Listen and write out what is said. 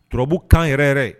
Turabu kan yɛrɛ yɛrɛ